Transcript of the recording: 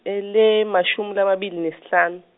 -e lemashumi lamabili nesihlanu.